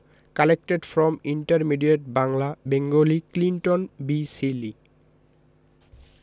collected from intermediate Bangla Bengali Clinton B Seely